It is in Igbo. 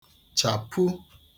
chàpu